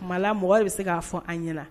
Maa mɔgɔ bɛ se k'a fɔ an ɲɛna